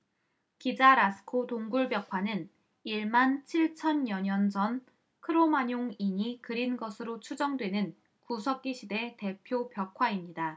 기자 라스코 동굴벽화는 일 만 칠 천여 년 전 크로마뇽인이 그린 것으로 추정되는 구석기시대 대표 벽화입니다